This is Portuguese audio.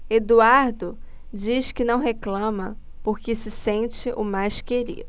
eduardo diz que não reclama porque se sente o mais querido